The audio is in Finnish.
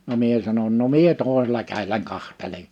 no minä sanoin no minä toisella kädelläni katselen